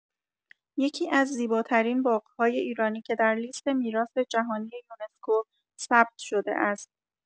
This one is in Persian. یکی‌از زیباترین باغ‌های ایرانی که در لیست میراث جهانی یونسکو ثبت شده است.